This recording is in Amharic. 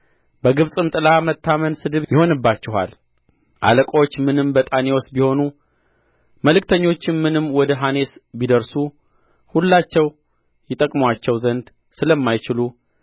በግብጽም ጥላ መታመን ስድብ ይሆንባችኋል አለቆች ምንም በጣኔዎስ ቢሆኑ መልክተኞችም ምንም ወደ ሓኔስ ቢደርሱ ሁላቸው ይጠቅሙአቸው ዘንድ ስለማይችሉ